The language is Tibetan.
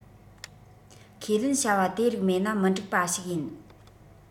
ཁས ལེན བྱ བ དེ རིགས མེད ན མི འགྲིག པ ཞིག ཡིན